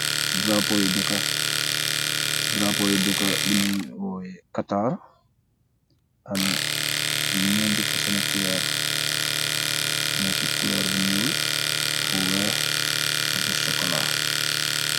Drapeau yii dehkah, drapeau yii dehkah bu njui woyeh Qatar, am njenti fason nii couleur, amna ci couleur bu njull, bu wekh, ak bu chocolat.